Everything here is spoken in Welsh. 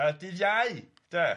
yy dydd Iau, de ia.